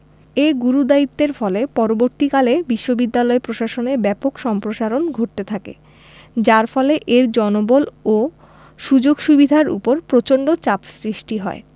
এ গুরুদায়িত্বের ফলে পরবর্তীকালে বিশ্ববিদ্যালয় প্রশাসনে ব্যাপক সম্প্রসারণ ঘটতে থাকে যার ফলে এর জনবল ও সুযোগ সুবিধার ওপর প্রচন্ড চাপ সৃষ্টি হয়